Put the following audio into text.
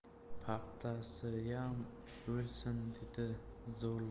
paxtasiyam o'lsin dedi zorlanib